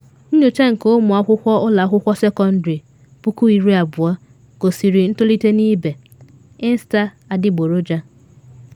Nyocha nke ụmụ akwụkwọ ụlọ akwụkwọ sekọndịrị 20,000 gosiri ntolite n’ibe “Insta adịgboroja”